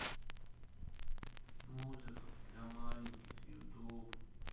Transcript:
музыка для маленьких ютуб